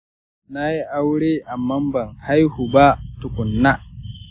na yi aure amma ban haihu ba tukuna.